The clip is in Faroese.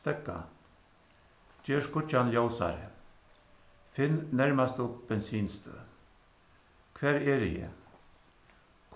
steðga ger skíggjan ljósari finn nærmastu bensinstøð hvar eri eg